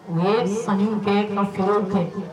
U ye sanu kɛ nafɛn tɛ kɛ